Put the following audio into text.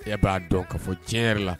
E b'a dɔn ka fɔ tiɲɛ yɛrɛ la